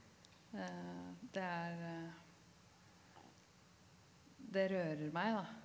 det er det rører meg da.